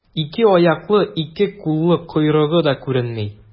Ике аяклы, ике куллы, койрыгы да күренми.